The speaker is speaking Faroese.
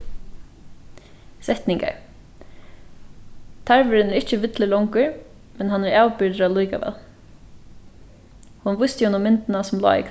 setningar tarvurin er ikki villur longur men hann er avbyrgdur allíkavæl hon vísti honum myndina sum lá í